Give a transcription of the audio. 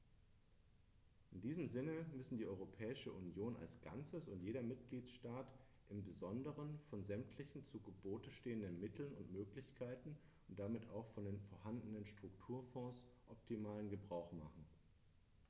In diesem Sinne müssen die Europäische Union als Ganzes und jeder Mitgliedstaat im besonderen von sämtlichen zu Gebote stehenden Mitteln und Möglichkeiten und damit auch von den vorhandenen Strukturfonds optimalen Gebrauch machen.